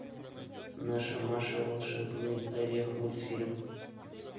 наша маша и волшебный орех мультфильм